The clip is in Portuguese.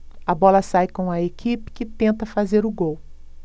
a bola sai com a equipe que tenta fazer o gol